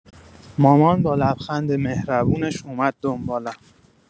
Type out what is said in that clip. مامان با لبخند مهربونش اومد دنبالم.